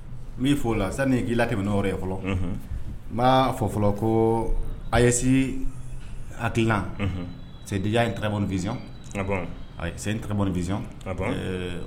N b'i fɔ o la sani n k'i latɛmɛ ni o yɔrɔ la fɔlɔ, unhun, n b'a fɔ fɔlɔ ko AES hakilina, unhu, c'est dejà une bonne visio, ah, bon! c'est dejà une bonne vision, ah, bon! une bonne vision ɛɛ